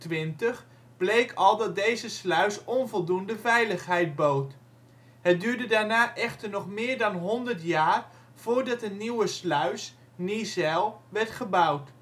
1421 bleek al dat deze sluis onvoldoende veiligheid bood. Het duurde daarna echter nog meer dan honderd jaar voordat een nieuwe sluis, Niezijl, werd gebouwd